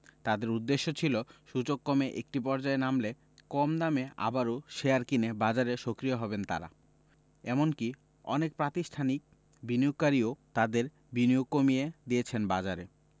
তাঁদের উদ্দেশ্য ছিল সূচক কমে একটি পর্যায়ে নামলে কম দামে আবারও শেয়ার কিনে বাজারে সক্রিয় হবেন তাঁরা এমনকি অনেক প্রাতিষ্ঠানিক বিনিয়োগকারীও তাদের বিনিয়োগ কমিয়ে দিয়েছেন বাজারে